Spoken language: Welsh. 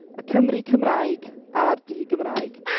Y Cymry Cymraeg a'r di-Gymraeg.